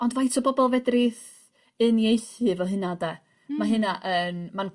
Ond faint o bobol fedrith uniaethu 'fo hynna 'de? Hmm. Ma' hynna yn ma'n